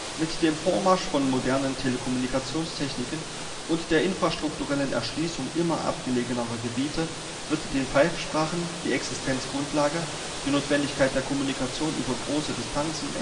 Mit dem Vormarsch von modernen Telekommunikationstechniken und der infrastrukturellen Erschließung immer abgelegenerer Gebiete wird den Pfeifsprachen die Existenzgrundlage, die Notwendigkeit der Kommunikation über große Distanzen